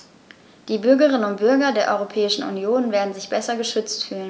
Die Bürgerinnen und Bürger der Europäischen Union werden sich besser geschützt fühlen.